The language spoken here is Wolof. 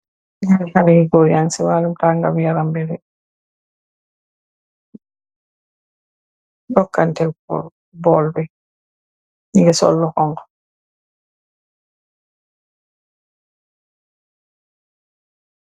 Ñaari xalé yu goor yaang si waalum taagat seen yaram. Jonkante bool bi. Ñu ngi sol lu xoñgu.